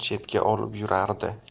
chetga olib yurardi